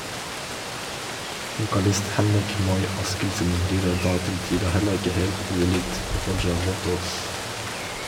Vokalist Henrik Moy Askildsen lyder da til tider heller ikke helt ulikt Roger Waters.